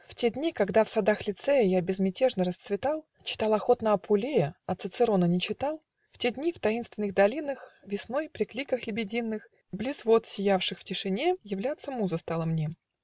В те дни, когда в садах Лицея Я безмятежно расцветал, Читал охотно Апулея, А Цицерона не читал, В те дни в таинственных долинах, Весной, при кликах лебединых, Близ вод, сиявших в тишине, Являться муза стала мне.